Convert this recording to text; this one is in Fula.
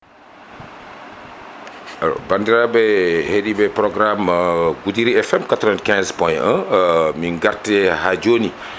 bandiraɓe heeɗiɓe programme Goudiry FM 95 PONT 1 min garte ha joni